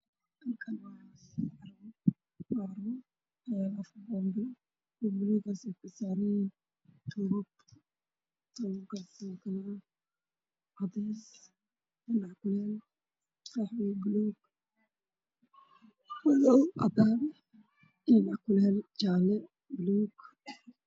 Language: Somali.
Waa carwo waxaa ii muuqda saakooyin dumar ah midabkoodii yahay caddaan buluug